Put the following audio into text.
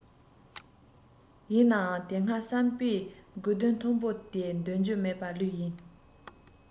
ཡིན ནའང དེ སྔ བསམས པའི དགོས འདུན མཐོ པོ དེ འདོན རྒྱུ མེད པ ལོས ཡིན